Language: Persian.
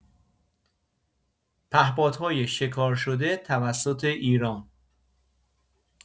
پهپادهای شکار شده توسط ایران